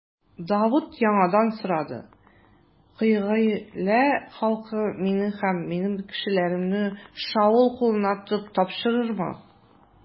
Давыт яңадан сорады: Кыгыйлә халкы мине һәм минем кешеләремне Шаул кулына тотып тапшырырмы?